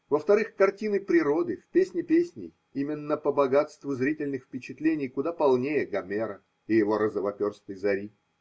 Во-вторых, картины природы в Песне песней, именно по богатству зрительных впечатлений, куда полнее Гомера и его розовоперстой зари.